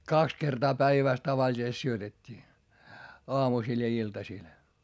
kaksi kertaa päivässä tavallisesti syötettiin aamusilla ja iltasilla